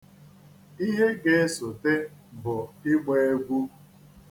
Ihe ga-esote bụ ịgba egwu.